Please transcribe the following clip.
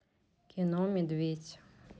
кино медведь